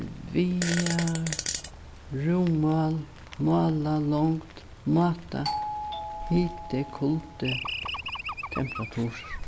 viga rúmmál mála longd máta hiti kuldi temperaturur